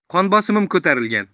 qon bosimi ko'tarilgan